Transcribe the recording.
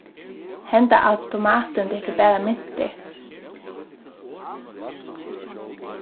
henda automatin tekur bara myntir